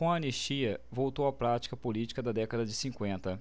com a anistia voltou a prática política da década de cinquenta